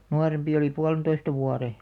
nuorempi oli puolentoista vuotta